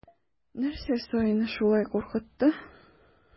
Нәрсә саине шулай куркытты?